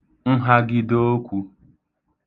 nhagidookwū